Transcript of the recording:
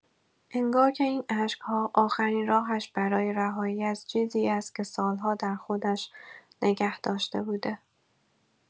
انگار که این اشک‌ها، آخرین راهش برای رهایی از چیزی است که سال‌ها در خودش نگه داشته بوده.